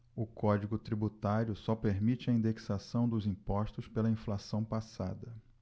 o código tributário só permite a indexação dos impostos pela inflação passada